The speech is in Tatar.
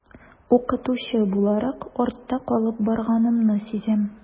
Укытучы буларак артта калып барганымны сизәм.